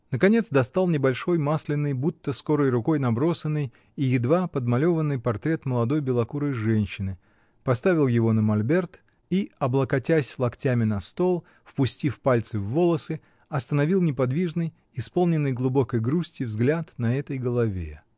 Наконец достал небольшой масляный, будто скорой рукой набросанный и едва подмалеванный портрет молодой белокурой женщины, поставил его на мольберт и, облокотясь локтями на стол, впустив пальцы в волосы, остановил неподвижный, исполненный глубокой грусти взгляд на этой голове.